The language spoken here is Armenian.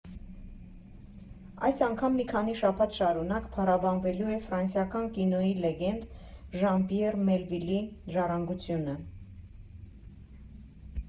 Այս անգամ մի քանի շաբաթ շարունակ փառաբանվելու է ֆրանսիական կինոյի լեգենդ Ժան֊Պյեր Մելվիլի ժառանգությունը։